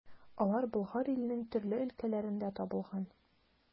Алар Болгар иленең төрле өлкәләрендә табылган.